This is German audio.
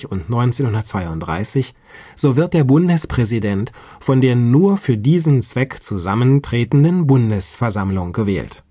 und 1932), so wird der Bundespräsident von der nur für diesen Zweck zusammentretenden Bundesversammlung gewählt